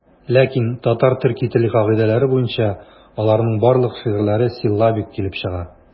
Ләкин татар-төрки теле кагыйдәләре буенча аларның барлык шигырьләре силлабик килеп чыга.